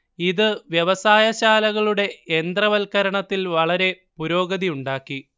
ഇത് വ്യവസായശാലകളുടെ യന്ത്രവൽക്കരണത്തിൽ വളരെ പുരോഗതി ഉണ്ടാക്കി